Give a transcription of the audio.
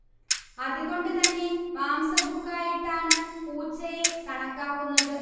അതുകൊണ്ട് തന്നെ മാംസഭുക്കായിട്ടാണ് പൂച്ചയെ കണക്കാക്കുന്നത്